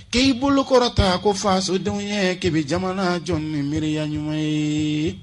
K'i bolo kɔrɔ ta ko fasodenw ye k'i bɛ jamana jɔ ni miiriya ɲuman ye